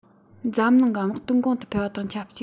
འཛམ གླིང གི དམག དོན གོང དུ འཕེལ བ དང ཆབས ཅིག